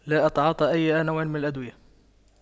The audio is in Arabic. لا أتعاطى أي نوع من الأدوية